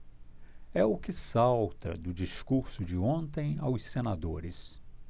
é o que salta do discurso de ontem aos senadores